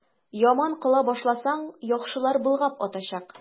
Яман кыла башласаң, яхшылар болгап атачак.